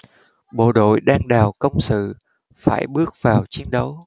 bộ đội đang đào công sự phải bước vào chiến đấu